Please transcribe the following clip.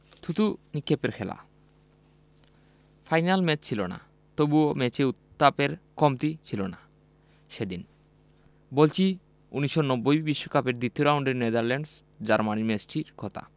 থুতু নিক্ষেপের খেলা ফাইনাল ম্যাচ ছিল না তবু ম্যাচে উত্তাপের কমতি ছিল না সেদিন বলছি ১৯৯০ বিশ্বকাপের দ্বিতীয় রাউন্ডের নেদারল্যান্ডস জার্মানি ম্যাচটির কথা